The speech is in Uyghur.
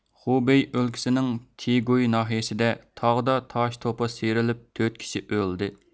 خۇبېي ئۆلكىسىنىڭ تىگۇي ناھىيىسىدە تاغدا تاش توپا سىيرىلىپ تۆت كىشى ئۆلدى